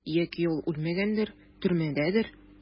Яки ул үлмәгәндер, төрмәдәдер?